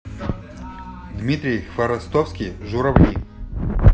дмитрий хворостовский журавли